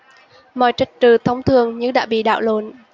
mọi trật tự thông thường như đã bị đảo lộn